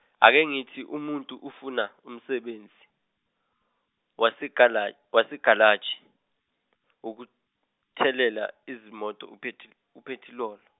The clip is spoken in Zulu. akengithi umuntu ufuna umsebenzi, wasegala- wasegalaji, wokuthelela izimoto uphethi- upethiloli.